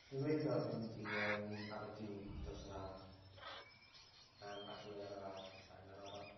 Dwi'n gobeitho mynd i yym Aberdeen dros yr haf yym a cwpl o lefydd arall yn yr Alban.